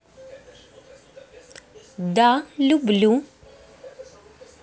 да люблю